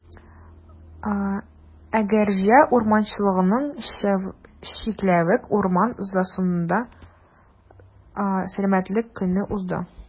Әгерҗе урманчылыгының «Чикләвек» урман зонасында Сәламәтлек көне узды.